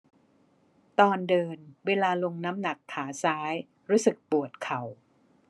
ตอนเดินเวลาลงน้ำหนักขาซ้ายรู้สึกปวดเข่า